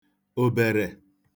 òbèrè